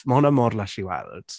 Mae hwnna mor lush i weld.